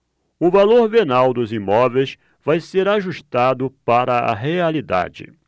o valor venal dos imóveis vai ser ajustado para a realidade